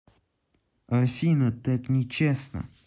афина так не честно